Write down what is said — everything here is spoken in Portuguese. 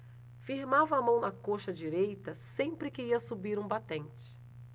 firmava a mão na coxa direita sempre que ia subir um batente